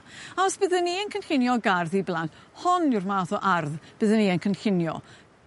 A os byddwn i yn cynllunio gardd i blant hon yw'r math o ardd byddwn i yn cynllunio.